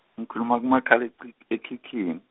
ngikhuluma kumakhalekhi- ekhikhini.